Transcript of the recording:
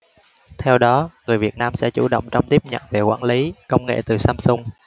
theo đó người việt nam sẽ chủ động trong tiếp nhận về quản lý công nghệ từ samsung